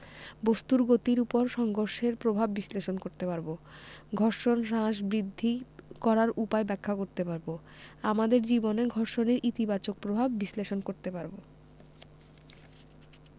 বস্তুর গতির উপর ঘর্ষণের প্রভাব বিশ্লেষণ করতে পারব ঘর্ষণ হ্রাস বৃদ্ধি করার উপায় ব্যাখ্যা করতে পারব আমাদের জীবনে ঘর্ষণের ইতিবাচক প্রভাব বিশ্লেষণ করতে পারব